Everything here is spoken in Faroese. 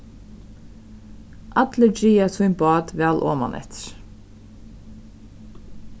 allir draga sín bát væl omaneftir